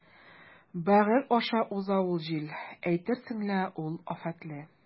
Бәгырь аша уза ул җил, әйтерсең лә ул афәтле.